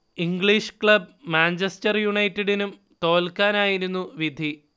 English club Manchester യുണൈറ്റഡിനും തോൽക്കാനായിരുന്നു വിധി